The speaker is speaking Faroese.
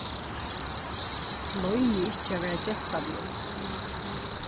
gloymið ikki at vera gestablíð